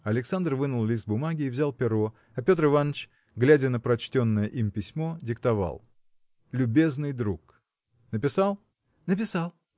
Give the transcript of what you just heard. Александр вынул лист бумаги и взял перо а Петр Иваныч глядя на прочтенное им письмо диктовал – Любезный друг. Написал? – Написал.